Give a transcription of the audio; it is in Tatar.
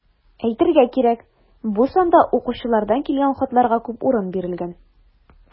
Әйтергә кирәк, бу санда укучылардан килгән хатларга күп урын бирелгән.